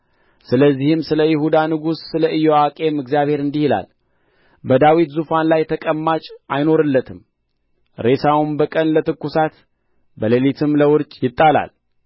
ስለዚህም ስለ ይሁዳ ንጉሥ ስለ ኢዮአቄም እግዚአብሔር እንዲህ ይላል በዳዊት ዙፋን ላይ ተቀማጭ አይኖርለትም ሬሳውም በቀን ለትኩሳት በሌሊትም ለውርጭ ይጣላል